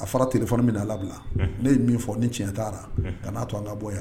A fara téléphone bɛna labila unhun ne ye min fɔ ni tiɲɛ taara unhun ka n'a to an ka bɔ yan